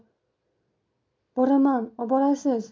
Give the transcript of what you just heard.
boraman oborasiz